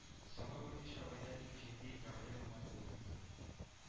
Соңгы берничә айда иң җитди проблемага әверелде.